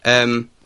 ...yym.